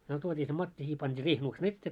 me tuotiin se matti siihen pantiin riihenuksen eteen